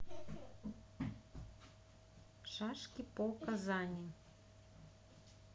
шашки по казани